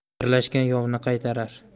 birlashgan yovni qaytarar